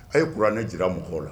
A ye kuran ne jira mɔgɔw la